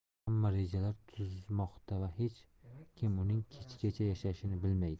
hamma rejalar tuzmoqda va hech kim uning kechgacha yashashini bilmaydi